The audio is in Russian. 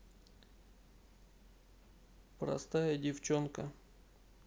простая девчонка